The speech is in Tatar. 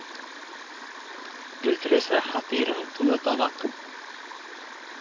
Гөл теләсә хатыйрең тулы табак